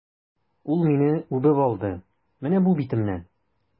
Ул мине үбеп алды, менә бу битемнән!